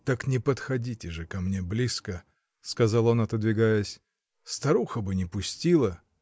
— Так не подходите же ко мне близко, — сказал он, отодвигаясь, — старуха бы не пустила.